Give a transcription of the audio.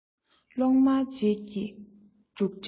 གློག དམར རྗེས ཀྱི འབྲུག སྒྲས